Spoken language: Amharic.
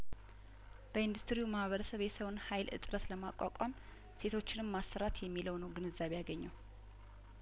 በኢንዱስትሪው ማህበረሰብ የሰውን ሀይል እጥረት ለማቋቋም ሴቶችንም ማሰራት የሚለው ነው ግንዛቤ ያገኘው